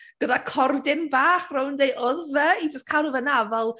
gyda cordyn bach rownd ei wddf e i just cadw fe 'na, fel...